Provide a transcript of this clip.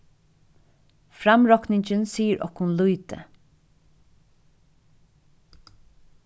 framrokningin sigur okkum lítið